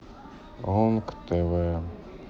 онг тв